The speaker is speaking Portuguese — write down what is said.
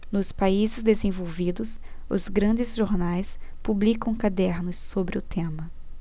nos países desenvolvidos os grandes jornais publicam cadernos sobre o tema